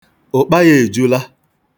Ụkpa ya ejula.